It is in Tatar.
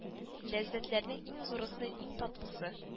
Ләззәтләрнең иң зурысы иң татлысы